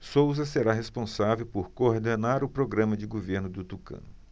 souza será responsável por coordenar o programa de governo do tucano